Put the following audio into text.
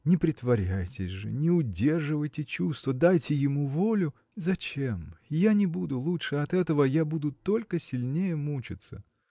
не притворяйтесь же, не удерживайте чувства, дайте ему волю. – Зачем? я не буду лучше от этого! я буду только сильнее мучиться.